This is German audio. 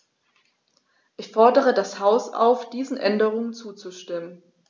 Ich fordere das Haus auf, diesen Änderungen zuzustimmen.